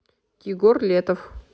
егор летов